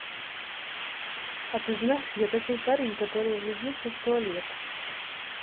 а ты знаешь я такой парень который влюбился в туалет